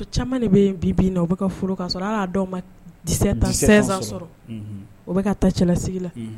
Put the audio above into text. Caman de bɛ bin y'a ma di tan o bɛ ta cɛlasigi la